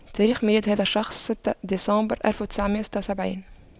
تاريخ ميلاد هذا الشخص ستة ديسمبر ألف وتسعمئة وستة وسبعين